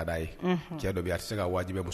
Ka da ye. Unhun . Cɛ dɔw be yen a te se wajibiya